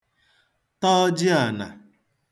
ta ọjịānā